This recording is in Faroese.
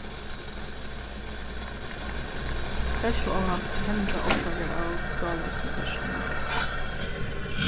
ferðsluóhapp henda orsakað av gáloysni í ferðsluni